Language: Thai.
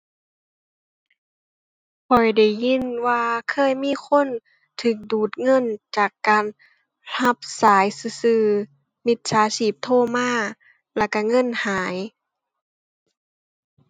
ข้อยได้ยินว่าเคยมีคนถูกดูดเงินจากการถูกสายซื่อซื่อ มิจฉาชีพโทรมาแล้วถูกเงินหาย